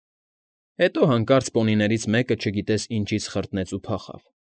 Հետո հանկարծ պոնիներից մեկը չգիտես ինչից խրտնեց ու փախավ։